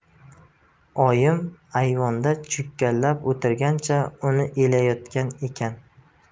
oyim ayvonda cho'kkalab o'tirgancha un elayotgan ekan